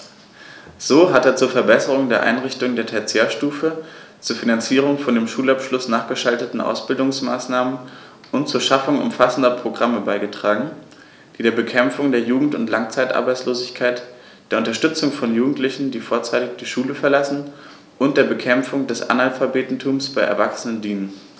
So hat er zur Verbesserung der Einrichtungen der Tertiärstufe, zur Finanzierung von dem Schulabschluß nachgeschalteten Ausbildungsmaßnahmen und zur Schaffung umfassender Programme beigetragen, die der Bekämpfung der Jugend- und Langzeitarbeitslosigkeit, der Unterstützung von Jugendlichen, die vorzeitig die Schule verlassen, und der Bekämpfung des Analphabetentums bei Erwachsenen dienen.